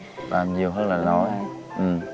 làm nhiều hơn là nói ừ